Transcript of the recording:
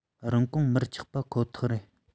རིན གོང མར ཆག པ པ ཁོ ཐག རེད